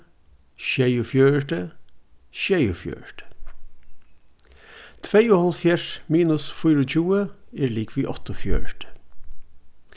sjeyogfjøruti sjeyogfjøruti tveyoghálvfjerðs minus fýraogtjúgu er ligvið áttaogfjøruti